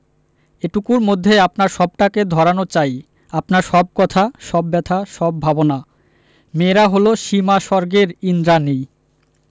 এটুকুর মধ্যে আপনার সবটাকে ধরানো চাই আপনার সব কথা সব ব্যাথা সব ভাবনা মেয়েরা হল সীমাস্বর্গের ঈন্দ্রাণী